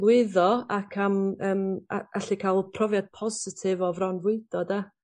lwyddo ac am yym a- allu ca'l profiad positif o fron fwydo 'de?